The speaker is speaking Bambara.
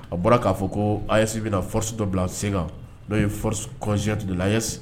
A bɔra k'a fɔ ko ayisi bɛnasi dɔ bila sen kan n'o ye kɔnsiyati de la ase